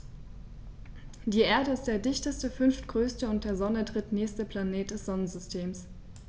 Die Erde ist der dichteste, fünftgrößte und der Sonne drittnächste Planet des Sonnensystems.